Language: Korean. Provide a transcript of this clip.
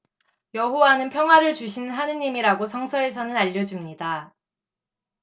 여호와는 평화를 주시는 하느님이라고 성서에서는 알려 줍니다